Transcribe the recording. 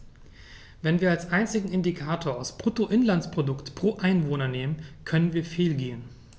Wenn wir als einzigen Indikator das Bruttoinlandsprodukt pro Einwohner nehmen, können wir fehlgehen.